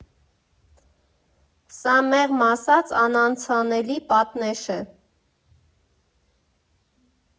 Սա, մեղմ ասած, անանցանելի պատնեշ է։